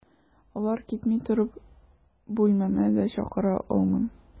Алар китми торып, бүлмәмә дә чакыра алмыйм.